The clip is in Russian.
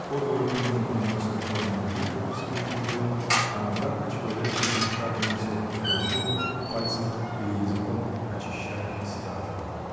По двору поминутно носят полные блюда из кухни в дом, а обратно человек тихим шагом несет пустое блюдо, пальцем или языком очищая остатки.